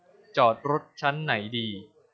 จอดรถชั้นไหนดี